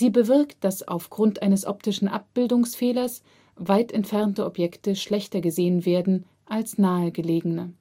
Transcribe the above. bewirkt, dass aufgrund eines optischen Abbildungsfehlers weit entfernte Objekte schlechter gesehen werden als nahe gelegene